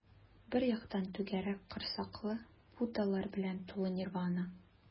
Бер яктан - түгәрәк корсаклы буддалар белән тулы нирвана.